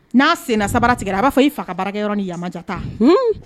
N'a sen sabara tigɛ a b'a fɔ i fa barakɛyɔrɔ ni yamata